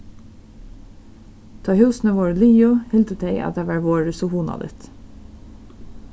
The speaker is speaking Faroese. tá húsini vórðu liðug hildu tey at tað varð vorðið so hugnaligt